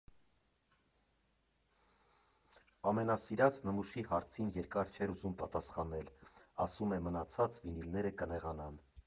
Ամենասիրած նմուշի հարցին երկար չէր ուզում պատասխանել, ասում է՝ մնացած վինիլները կնեղանան։